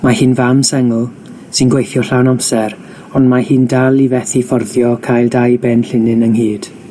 Mae hi'n fam sengl sy'n gweithio llawn amser, ond mae hi'n dal i fethu fforddio cael dau ben llinyn ynghyd.